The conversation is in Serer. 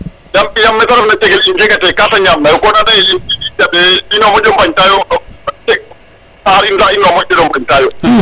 yama mete ref na cegel in jegate kate ñamna yo kon anda ye i njaɓe ino moƴo mbañta yo taxar in sax ino moƴu no mbañta yo